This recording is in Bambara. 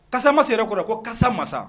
Casamence yɛrɛ kɔrɔ ko kasa masa